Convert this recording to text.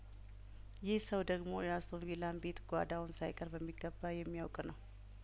ይህ ሰው ደግሞ የአስቶን ቪላን ቤት ጓዳውን ሳይቀር በሚገባ የሚያውቅ ነው